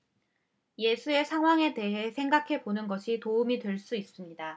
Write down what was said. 예수의 상황에 대해 생각해 보는 것이 도움이 될 수 있습니다